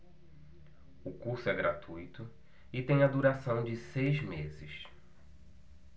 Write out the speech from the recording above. o curso é gratuito e tem a duração de seis meses